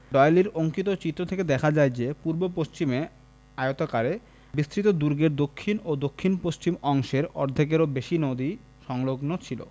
ডয়েলীর অঙ্কিত চিত্র থেকে দেখা যায় যে পূর্ব পশ্চিমে আয়তাকারে বিস্তৃত দুর্গের দক্ষিণ ও দক্ষিণপশ্চিম অংশের অর্ধেকেরও বেশি নদী সংলগ্ন ছিল'